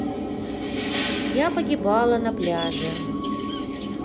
я погибала на пляже